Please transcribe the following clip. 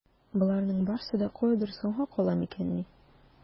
Боларның барсы да каядыр соңга кала микәнни?